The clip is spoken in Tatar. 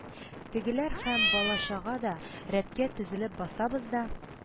Тәгеләр һәм бала-чага да рәткә тезелеп басабыз да